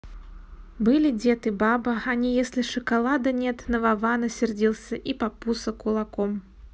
были дед и баба они если шоколада нет на вована сердился и папуса кулаком